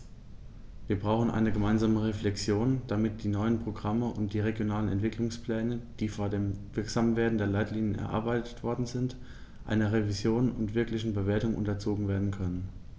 Wir brauchen eine gemeinsame Reflexion, damit die neuen Programme und die regionalen Entwicklungspläne, die vor dem Wirksamwerden der Leitlinien erarbeitet worden sind, einer Revision und wirklichen Bewertung unterzogen werden können.